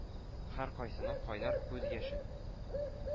Һәркайсының кайнар күз яшен.